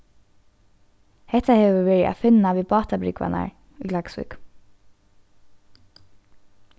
hetta hevur verið at finna við bátabrúgvarnar í klaksvík